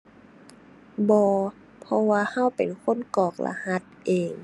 บ่ เพราะว่าเราเป็นคนกรอกรหัสเอง